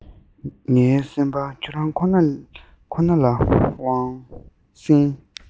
ངའི སེམས པ ཁྱོད རང ཁོ ན ལ དབང